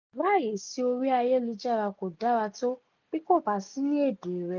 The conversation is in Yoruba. Ìráàyèsí orí Ayélujára kò dára tó bí kò bá sí ní èdè rẹ!